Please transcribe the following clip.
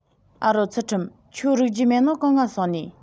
ཨ རོ ཚུལ ཁྲིམས ཁྱོད རིག རྒྱུ མེད ནོ གད ང སོང ནིས